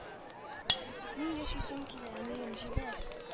— мин яшисем килә, әнием, җибәр,